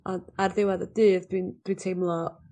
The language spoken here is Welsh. On' ar ddiwadd y dydd dwi'n dwi teimlo